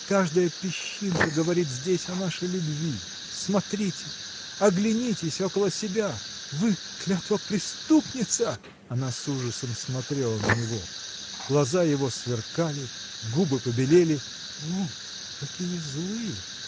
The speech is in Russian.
каждая песчинка говорит здесь о нашей любви смотрите, оглянитесь около себя!. вы клятвопреступница!!! Она с ужасом смотрела на него. Глаза его сверкали, губы побелели. – У! какие злые!